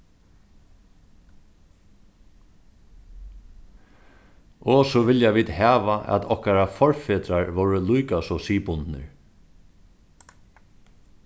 og so vilja vit hava at okkara forfedrar vóru líka so siðbundnir